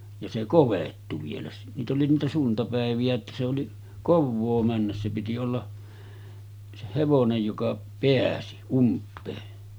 ja se kovettui vielä niitä oli niitä suntapäiviä että se oli kovaa mennä se piti olla se hevonen joka pääsi umpea